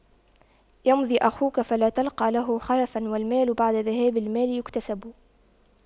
يمضي أخوك فلا تلقى له خلفا والمال بعد ذهاب المال يكتسب